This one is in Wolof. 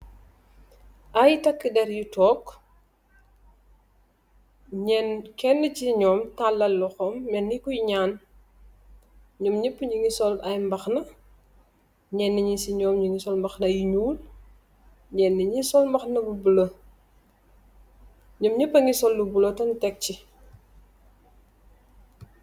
Ay takka dèr yu tóóg, Kenna ci ñom tallal loxom melni Koy ñaan, ñom ñam ñi ñgi sol ay mbàxna, ñenen ñi ci ñow ñu ngi sol mbàxna yu ñuul, ñenen ñi sol mbàxna bu bula. Ñom ñap sol lu bula tèg ci.